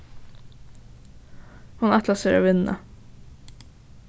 hon ætlar sær at vinna